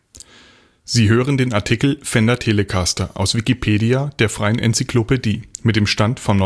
Sie hören den Artikel Fender Telecaster, aus Wikipedia, der freien Enzyklopädie. Mit dem Stand vom